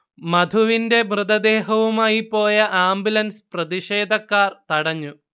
മധുവിന്റെ മൃതദേഹവുമായി പോയ ആംബുലൻസ് പ്രതിഷേധക്കാർ തടഞ്ഞു